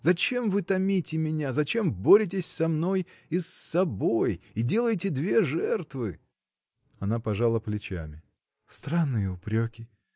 Зачем вы томите меня, зачем боретесь со мной и с собой и делаете две жертвы? Она пожала плечами. — Странные упреки!